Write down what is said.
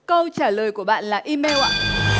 câu trả lời của bạn là i mêu ạ